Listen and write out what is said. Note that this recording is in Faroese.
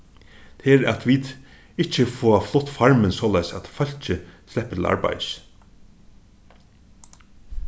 tað er at vit ikki fáa flutt farmin soleiðis at fólkið sleppur til arbeiðis